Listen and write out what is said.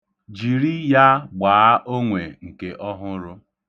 Jiri ya gbaa onwe nke ọhụrụ.